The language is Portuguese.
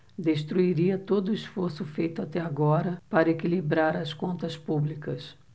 destruiria todo esforço feito até agora para equilibrar as contas públicas